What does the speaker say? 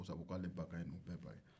ko sabu k'ale ba ka ɲin n'u bɛɛ ba ye